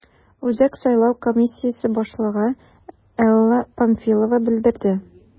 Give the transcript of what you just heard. Үзәк сайлау комиссиясе башлыгы Элла Памфилова белдерде: